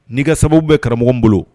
N'i ka sababu bɛ karamɔgɔ bolo